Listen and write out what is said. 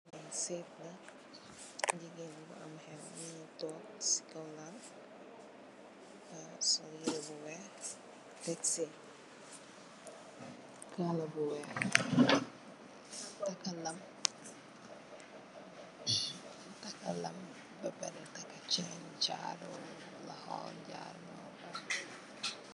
Sëët la, jigéen bu am xew, toog si kow lal, sol yire bu weex, teeg si kala bu weex, takë lam, takë ceen, tec si jaaru loox, jaaru.